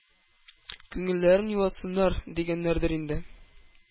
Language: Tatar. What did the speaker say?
Күңелләрен юатсыннар, дигәннәрдер инде.